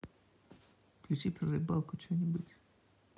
включи про рыбалку че нибудь